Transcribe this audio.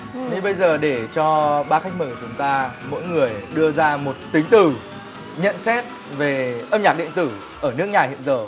thế bây giờ để cho ba khách mời của chúng ta mỗi người đưa ra một tính từ nhận xét về âm nhạc điện tử ở nước nhà hiện giờ